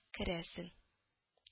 Керәсең